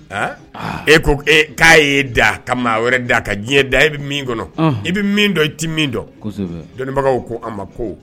E ko k'a'e da ka maa wɛrɛ da a ka diɲɛ da i bɛ min kɔnɔ i bɛ min dɔn i tɛ min dɔn dɔnniibagaw ko a ma ko